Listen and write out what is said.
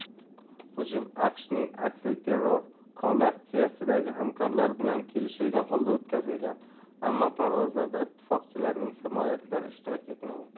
hujum aqshning aksilterror koalitsiyadagi hamkorlari bilan kelishilgan holda o'tkazilgan ammo parvozlarda ittifoqchilarning samolyotlari ishtirok etmagan